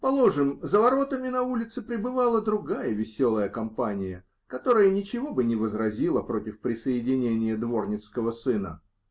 Положим, за воротами на улице пребывала другая веселая компания, которая ничего бы не возразила против присоединения дворницкого сына.